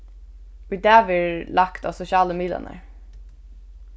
í dag verður lagt á sosialu miðlarnar